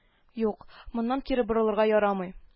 Юк, моннан кире борылырга ярамый